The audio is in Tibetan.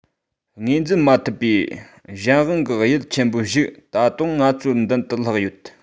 ངོས འཛིན མ ཐུབ པའི གཞན དབང གི ཡུལ ཆེན པོ ཞིག ད དུང ང ཚོའི མདུན དུ ལྷགས ཡོད